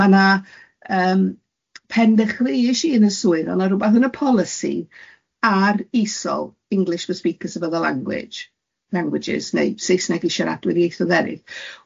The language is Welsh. Ma' na yym pen dechreuais i yn y swydd, oedd yna rywbeth yn y policy ar isol English for speakers of other language, languages neu Saesneg i siaradwyr o ieithoedd eryll,